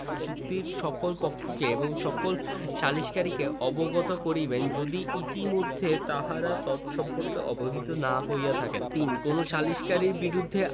চুক্তির সকল পক্ষকে এবং অন্য সকল সালিসকারীকে অবগত করিবেন যদি ইতোমধ্যে তাহারা তৎসম্পর্কে অবহিত না হইয়া থাকেন ৩ কোন সালিসকারীর বিরুদ্ধে